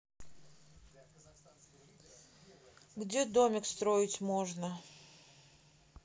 где домики строить можно